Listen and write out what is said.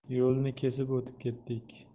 yo'lni kesib o'tib ketdik